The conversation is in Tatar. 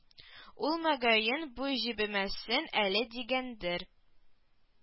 Ул мөгаен бу җебемәсен әле дигәндер